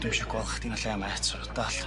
Dwi'm isio gwel' chdi yn y lle yma eto, dallt?